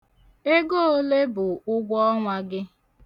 Ego ole bụ ụgwọọnwa gị?